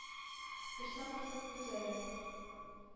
Тешне кысып түзүләр,